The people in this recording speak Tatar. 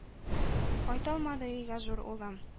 Кайталмады өйгә зур улым,